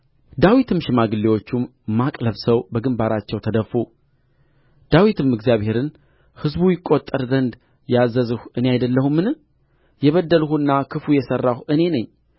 ዳዊትም ሽማግሌዎችም ማቅ ለብሰው በግምባራቸው ተደፉ ዳዊትም እግዚአብሔርን ሕዝቡ ይቈጠር ዘንድ ያዘዝሁ እኔ አይደለሁምን የበደልሁና ክፉ የሠራሁ እኔ ነኝ